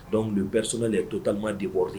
Donc le personnel est complètement débordé